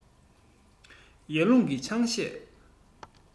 ཡར ཀླུང གིས ཆང གཞས